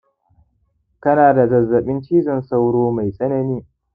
kanada zazzabin cizon sauro mai tsanani